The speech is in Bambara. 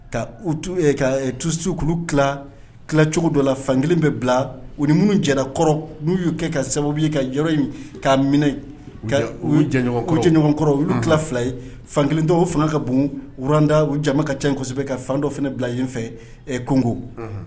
Ka u tu su ki cogo dɔ la fankelen bɛ bila u ni minnu jɛkɔrɔ n'u y'u kɛ ka sababu ye ka yɔrɔ in' minɛɲɔgɔnkɔrɔ u y'u tila fila ye fankelen dɔw fana ka bon uranda u jama ka cɛ insɛbɛ ka fan dɔ fana bila yenfɛ kogo